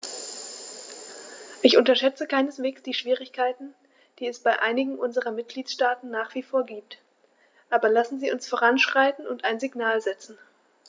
Ich unterschätze keineswegs die Schwierigkeiten, die es bei einigen unserer Mitgliedstaaten nach wie vor gibt, aber lassen Sie uns voranschreiten und ein Signal setzen.